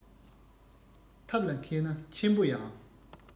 ཐབས ལ མཁས ན ཆེན པོ ཡང